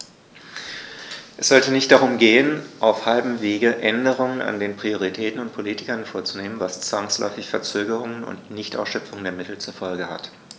Es sollte nicht darum gehen, auf halbem Wege Änderungen an den Prioritäten und Politiken vorzunehmen, was zwangsläufig Verzögerungen und Nichtausschöpfung der Mittel zur Folge hat.